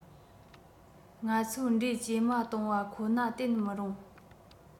ང ཚོའི འགྲོས ཇེ དམའ སྟོང བ ཁོ ན བརྟེན མི རུང